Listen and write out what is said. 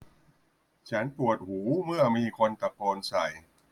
ฉันปวดหูเมื่อมีคนตะโกนใส่